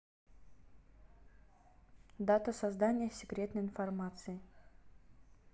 дата создания секретной информации